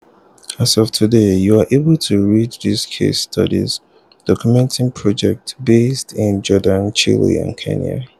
As of today you are able to read three case studies documenting projects based in Jordan, Chile, and Kenya.